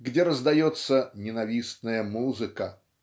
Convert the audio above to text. где раздается "ненавистная музыка".